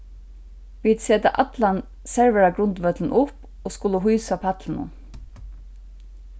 vit seta allan servaragrundvøllin upp og skulu hýsa pallinum